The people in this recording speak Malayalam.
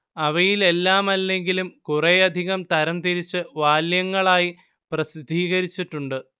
അവയിൽ എല്ലാമല്ലെങ്കിലും കുറേയധികം തരംതിരിച്ച് വാല്യങ്ങളായി പ്രസിദ്ധീകരിച്ചിട്ടുണ്ട്